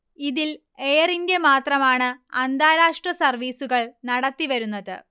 ഇതിൽ Air India മാത്രമാണ് അന്താരാഷ്ട്ര സർവീസുകൾ നടത്തി വരുന്നത്